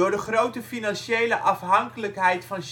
de grote financiële afhankelijkheid van